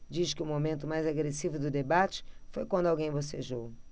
diz que o momento mais agressivo do debate foi quando alguém bocejou